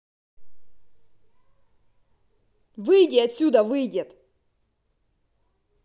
выйди отсюда выйдет